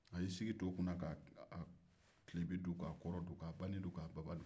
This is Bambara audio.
a y'i sigi to kun na k'a tilebin dun k'a kɔrɔn dun k'a bani dun k'a baba dun